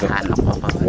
xa ɗaxaa no qooq ole